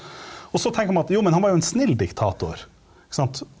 og så tenker man at jo, men han var jo en snill diktator ikke sant.